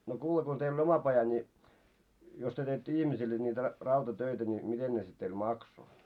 no kuule kun teillä oli oma paja niin jos te teitte ihmisille niitä - rautatöitä niin miten ne sitten teillä maksoi